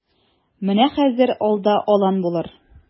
Менә хәзер алда алан булыр.